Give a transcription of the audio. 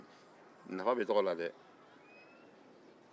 nafa bɛ tɔgɔ la dɛ